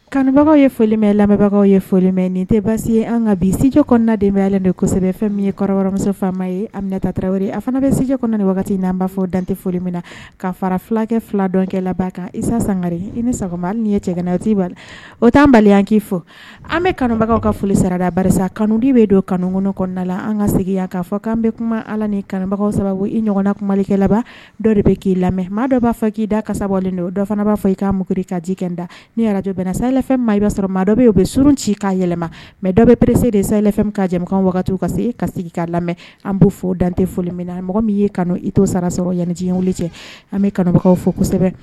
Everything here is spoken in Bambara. Kanbagaw ye folimɛ lamɛnbagaw ye folimɛ nin tɛ basi ye an kan bi scɛ kɔnɔnadenbaya de kosɛbɛ fɛn min ye kɔrɔmusofa ye a minɛta taraweleraw a fana bɛ s kɔnɔ wagati n na an b'a fɔ dantɛ foli min na ka fara filakɛ fila dɔnkɛ la kan isa sangarin i nima nin ye cɛ o taa bali an k' fɔ an bɛ kanbagaw ka foli sarada ba kanudi bɛ don kanu kɔnɔ kɔnɔna la an ka seginna k kaa fɔ k' bɛ kuma ala ni kanubagaw sababu i ɲɔgɔnna kumakɛ laban dɔ de bɛ k'i lamɛn maa dɔ b'a fɔ k'i da kasalen don dɔ fana b'a fɔ i k'a mukiri ka ji kɛ da ni araj bɛna safɛ maa i b'a sɔrɔ maa dɔ bɛ' u bɛ surun ci k'a yɛlɛma mɛ dɔw bɛerese de safɛ ka jɛ wagati ka se ka sigi ka lamɛn an bɛ fɔ dantɛ foli minna na mɔgɔ min ye kanu ito sarasɔrɔ ɲj cɛ an bɛ kanubagaw fɔ kosɛbɛ